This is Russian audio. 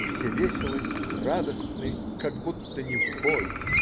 Все веселы, радостны - как будто не в бой.